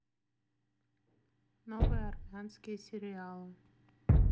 новые армянские сериалы